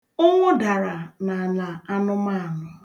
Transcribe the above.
Ụnwụ dara n'ala anụmanụ.